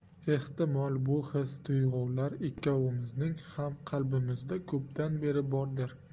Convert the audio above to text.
ehtimol bu his tuyg'ular ikkovimizning ham qalbimizda ko'pdan beri bordir